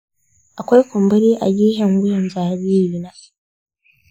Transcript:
akwai kumburi a gefen wuyan jaririna.